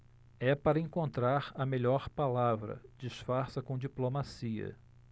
é para encontrar a melhor palavra disfarça com diplomacia